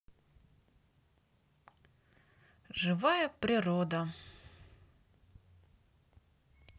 живая природа